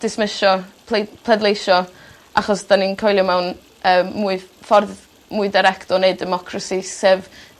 dismisio plei- pleidleisio achos 'dyn ni'n coelio mewn yym mwy ffordd mwy direct o neud democracy sef